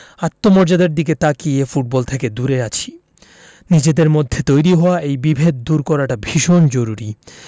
আত্মমর্যাদার দিকে তাকিয়ে ফুটবল থেকে দূরে আছি নিজেদের মধ্যে তৈরি হওয়া এই বিভেদ দূর করাটা ভীষণ জরুরি